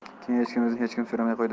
keyin echkimizni hech kim so'ramay qo'ydi